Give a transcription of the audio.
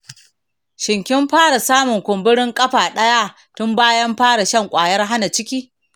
shin kin fara samun kumburi a ƙafa ɗaya tun bayan fara shan kwayar hana ciki?